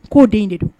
K'o den in de don